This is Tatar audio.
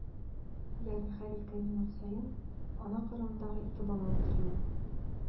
Ягъни һәр ике минут саен ана карынындагы ике бала үтерелә.